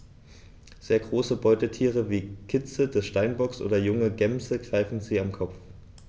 Sehr große Beutetiere wie Kitze des Steinbocks oder junge Gämsen greifen sie am Kopf.